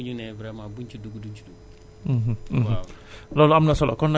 boo toogee ba août nga ji ko ñoom bu ñu nee vraiment buñ ci dugg duñ ci dugg